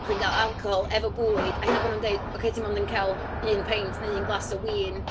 Bod chi'n cael alcohol efo bwyd, a hyd yn oed bod nhw'n deud, "ocê, ti 'mond yn cael un peint neu un glas o win".